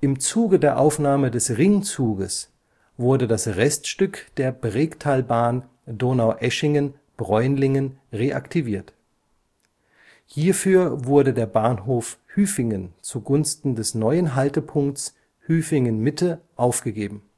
Im Zuge der Aufnahme des Ringzuges wurde das Reststück der Bregtalbahn Donaueschingen – Bräunlingen reaktiviert. Hierfür wurde der Bahnhof Hüfingen zugunsten des neuen Haltepunkts „ Hüfingen Mitte “aufgegeben